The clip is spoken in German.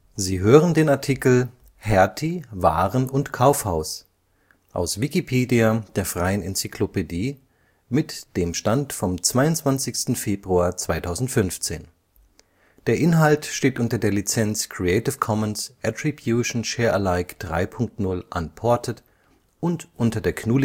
Sie hören den Artikel Hertie Waren - und Kaufhaus, aus Wikipedia, der freien Enzyklopädie. Mit dem Stand vom Der Inhalt steht unter der Lizenz Creative Commons Attribution Share Alike 3 Punkt 0 Unported und unter der GNU